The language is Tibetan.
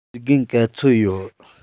དགེ རྒན ག ཚོད ཡོད